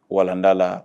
Walanda la